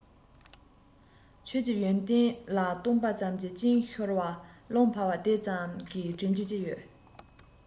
ཁྱོད ཀྱི ཡོན ཏན ལ བཏུངས པ ཙམ གྱིས གཅིན ཤོར བ རླུང འཕར བ དེ ཙམ གས དྲིན རྒྱུ ཅི ཡོད